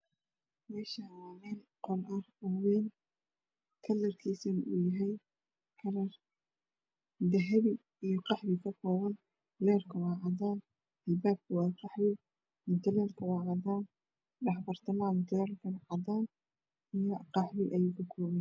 Meshaanwaa meel qol ah oo ween kalrkiisna uuyahay kalar dahpi iyo qaxwi ka kakoopan leerka wa cadaan alpapka wa qaxwi mutu leelka waa cadaan dhaxbartamaha mutuleelka waa cadaan iyo axwi ayuu ka koopan yahy